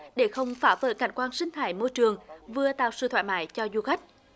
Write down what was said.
để không phá vỡ cảnh quan sinh thái môi trường vừa tạo sự thoải mái cho du khách